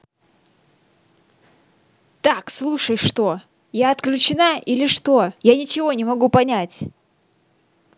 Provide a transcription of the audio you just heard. так слушай что я отключена или что я ничего не могу понять